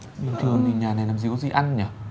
bình thường thì nhà này làm gì có gì ăn nhở